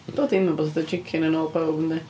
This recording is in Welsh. Bob dim yn blasu fatha chicken yn ôl pawb, yndi.